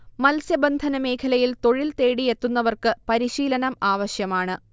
മത്സ്യബന്ധന മേഖലയിൽ തൊഴിൽതേടി എത്തുന്നവർക്ക് പരിശീലനം ആവശ്യമാണ്